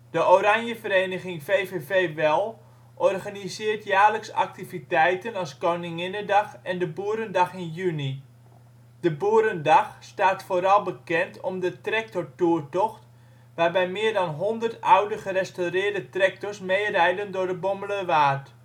De Oranjevereniging V.V.V.Well organiseert jaarlijks activiteiten als Koninginnedag en de Boerendag in juni. De Boerendag staat vooral bekend om de Tractor-tourtocht waarbij meer dan honderd oude gerestaureerde tractors mee rijden door de Bommelerwaard